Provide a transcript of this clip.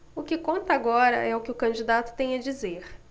o que conta agora é o que o candidato tem a dizer